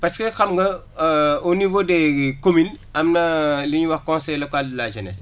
parce que xam nga au niveau des communes am na lu ñuy wax conseil local de la jeunesse